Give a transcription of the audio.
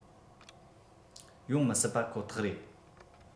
ཡོང མི སྲིད པ ཁོ ཐག རེད